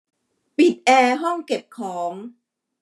ปิดแอร์ห้องเก็บของ